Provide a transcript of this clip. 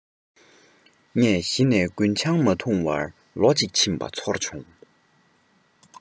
ངས གཞི ནས རྒུན ཆང མ འཐུང བར ལོ གཅིག ཕྱིན པ ཚོར བྱུང